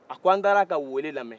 a ko an taara a ka weele lamɛn